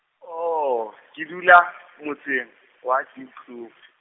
oh, ke dula, motseng, wa Diepkloof.